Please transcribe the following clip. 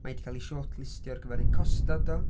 Mae hi 'di cael ei shortlistio ar gyfer un Costa do?